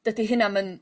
dydi hynna'm...